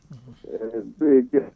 eyyi seydi Dia